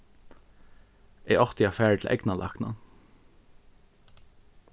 eg átti at farið til eygnalæknan